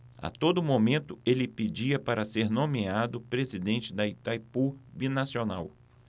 a todo momento ele pedia para ser nomeado presidente de itaipu binacional